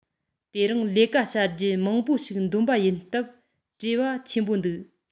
དེ རིང ལས ཀ བྱ རྒྱུ མང པོ ཞིག འདོམས པ ཡིན སྟབས བྲེལ བ ཆེན པོ འདུག